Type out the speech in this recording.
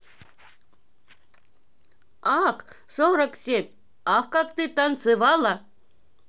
ак сорок семь ах как ты танцевала